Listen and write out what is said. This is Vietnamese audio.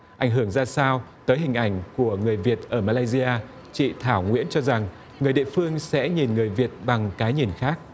ảnh hưởng ra sao tới hình ảnh của người việt ở mơ lây di a chị thảo nguyễn cho rằng người địa phương sẽ nhìn người việt bằng cái nhìn khác